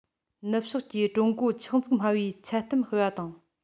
ནུབ ཕྱོགས ཀྱིས ཀྲུང གོ ཆག འཇིག སྨྲ བའི འཆལ གཏམ སྤེལ པ དང